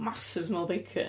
Massive smell o bacon.